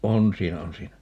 on siinä on siinä